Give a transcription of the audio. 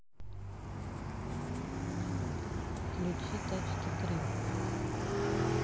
включи тачки три